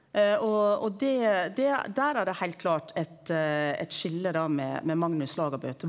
og og det det der er det heilt klart eit eit skilje da med med Magnus Lagabøte,